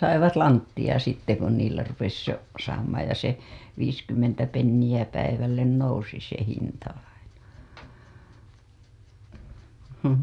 saivat lanttia sitten kun niillä rupesi jo saamaan ja se viisikymmentä penniä päivälle nousi se hinta aina